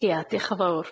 Ia diolch yn fowr.